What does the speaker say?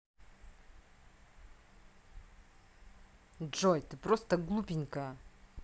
джой ты просто глупенькая